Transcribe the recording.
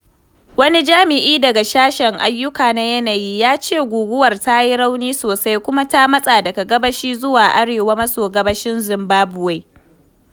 Wani jami'i daga Sashen Ayyuka na Yanayi ya ce guguwar ta yi rauni sosai kuma ta matsa daga gabashi zuwa arewa maso gabashin Zimbabwe.